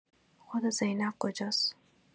خود زینب کجاس؟